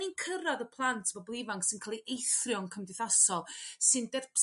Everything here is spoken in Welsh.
ni'n cyrradd y plant bobol ifanc sy'n cael ei eithrio'n cymdeithasol sy'n der-